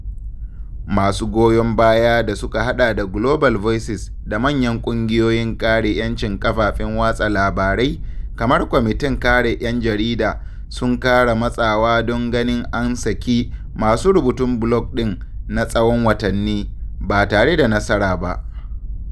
Masu goyon baya da suka haɗa da Global Voices da manyan ƙungiyoyin kare 'yancin kafafen watsa labarai kamar Kwamitin Kare ‘Yan Jarida sun ƙara matsawa don ganin an saki masu rubutun blog ɗin na tsawon watanni, ba tare da nasara ba.